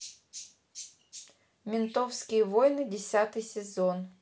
ментовские войны десятый сезон